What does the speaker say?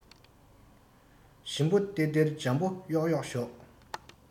ཞིམ པོ སྟེར སྟེར འཇམ པོ གཡོག གཡོག ཞོག